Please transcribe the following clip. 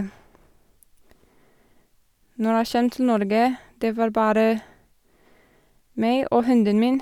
Når jeg kjem til Norge, det var bare meg og hunden min.